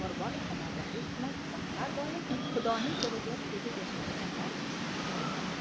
umrbod ta'magirlik bilan va har doim xudoning jig'iga tegib yashaydiganlar kimlar ekan